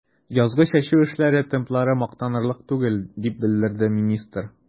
Язгы чәчү эшләре темплары мактанырлык түгел, дип белдерде министр.